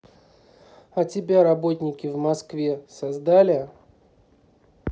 а тебя работники в москве создали